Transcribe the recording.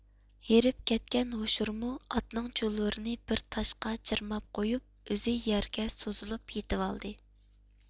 ھېرىپ كەتكەن ھوشۇرمۇ ئاتنىڭ چۇلىۋۋۇرىنى بىر تاشقا چىرماپ قويۇپ ئۆزى يەرگە سوزۇلۇپ يېتىۋالدى